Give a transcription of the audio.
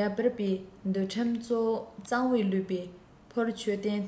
ཡང བིརྭ པས འདུལ འཁྲིམས གཙང བའི ལུང པའི ཕུར ཁྱོད རྟེན